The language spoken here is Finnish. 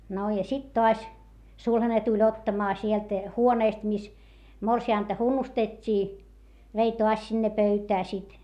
no ja sitten taas sulhanen tuli ottamaan sieltä huoneesta missä morsianta hunnustettiin vei taas sinne pöytään sitten